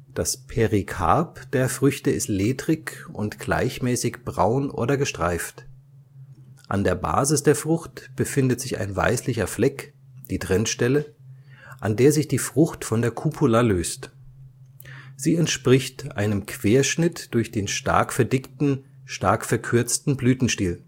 Das Perikarp der Früchte ist ledrig und gleichmäßig braun oder gestreift. An der Basis der Frucht befindet sich ein weißlicher Fleck, die Trennstelle, an der sich die Frucht von der Cupula löst. Sie entspricht einem Querschnitt durch den stark verdickten, stark verkürzten Blütenstiel